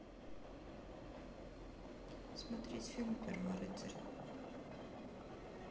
смотреть фильм первый рыцарь